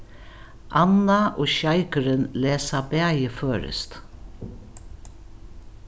anna og sjeikurin lesa bæði føroyskt